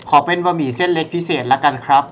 ขอเป็นบะหมี่เส้นเล็กพิเศษละกันครับ